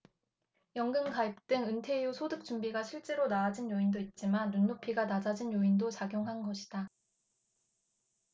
연금 가입 등 은퇴 이후 소득 준비가 실제로 나아진 요인도 있지만 눈높이가 낮아진 요인도 작용한 것이다